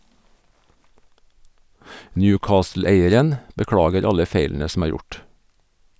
Newcastle-eieren beklager alle feilene som er gjort.